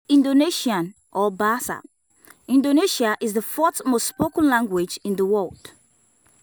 Indonesian – or Bahasa Indonesia – is the fourth most spoken language in the world